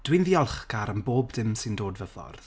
Dwi'n ddiolchgar am bob dim sy'n dod fy ffordd.